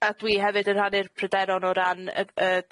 A dwi hefyd yn rhannu'r pryderon o ran y y